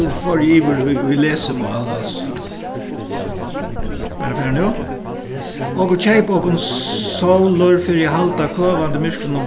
nú fór eg yvir í í lesimál altso bara fara nú okur keypa okum sólir fyri at halda køvandi myrkrinum